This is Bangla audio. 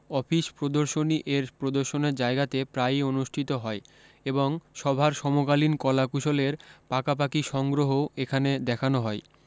অফিস প্রদর্শনী এর প্রদর্শনের জায়গাতে প্রায়ি অনুষ্ঠিত হয় এবং সভার সমকালীন কলা কুশলের পাকাপাকি সংগ্রহও এখানে দেখান হয়